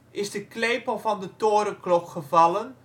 is de klepel van de torenklok gevallen